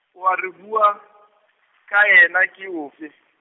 eo re buang , ka yena ke ofe?